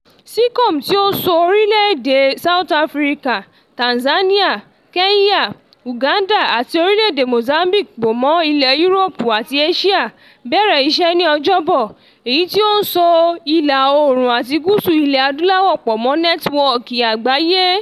Seacom, tí ó so orílẹ̀ èdè South Africa, Tanzania, Kenya, Uganda àti orílẹ̀ èdè Mozambique pọ̀ mọ́ Ilẹ̀ Yúróòpù àti Éṣíà, bẹ̀rẹ̀ iṣẹ́ ní Ọjọ́bọ̀, èyí tí ó ń so ìlà oòrùn àti gúúsù Ilẹ̀ Adúláwò pọ̀ mọ́ nẹ́tíwọ́ọ̀kì àgbáyé.